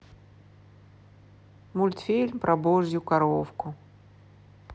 мультфильм про божью коровку